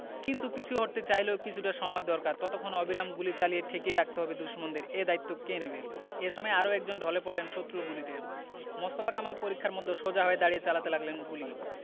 কিন্তু পিছু হটতে চাইলেও কিছুটা সময় দরকার ততক্ষণ অবিরাম গুলি চালিয়ে ঠেকিয়ে রাখতে হবে দুশমনদের এ দায়িত্ব কে নেবে এ সময় আরও একজন ঢলে পড়লেন শত্রুর গুলিতে মোস্তফা কামাল পরিখার মধ্যে সোজা হয়ে দাঁড়িয়ে চালাতে লাগলেন গুলি